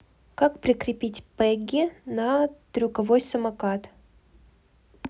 как прикрепить пегги на трюковой самокат